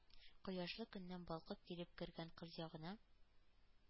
Кояшлы көннән балкып килеп кергән кыз ягына,